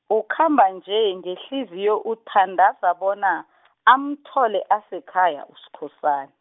ukhamba nje, ngehliziyo uthandaza bona , amthole asekhaya Uskhosana.